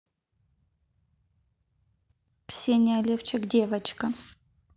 ксения левчик девочка